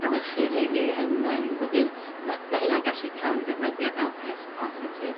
efelychu rhenni yn yym wedyn maa ma' hynna'n gallu ca'l 'i ddefnyddio fel peth positif